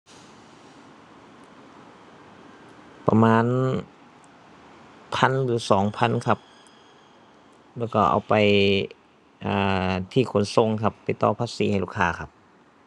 ประมาณพันหรือสองพันครับ แล้วก็เอาไป เอ่อ ที่ขนส่งครับ ไปต่อภาษีให้ลูกค้าครับ